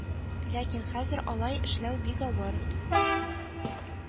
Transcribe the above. Ләкин хәзер алай эшләү бик авыр